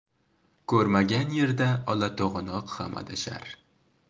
ko'rmagan yerda olato'g'anoq ham adashar